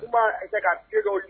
N'u maa essayer ka pieds dɔw